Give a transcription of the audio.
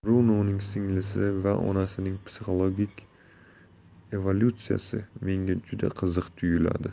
brunoning singlisi va onasining psixologik evolyutsiyasi menga juda qiziq tuyuladi